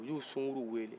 u y'u sunkuruw weele